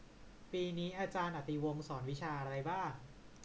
ปีนี้อาารย์อติวงศ์สอนวิชาอะไรบ้าง